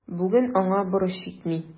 Бүген аңа борыч җитми.